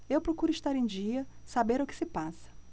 eu procuro estar em dia saber o que se passa